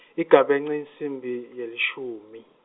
Igabence insimbi yelishumi.